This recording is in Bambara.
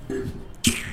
O tiɲɛ